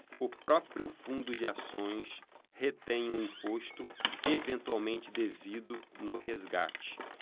o próprio fundo de ações retém o imposto eventualmente devido no resgate